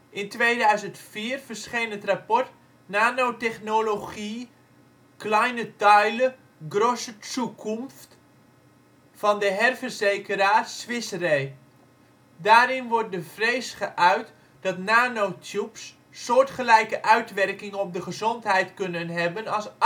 In 2004 verscheen het rapport Nanotechnologie. Kleine Teile – grosse Zukunft van de herverzekeraar Swiss Re. Daarin wordt de vrees geuit dat nanotubes soortgelijke uitwerkingen op de gezondheid kunnen hebben als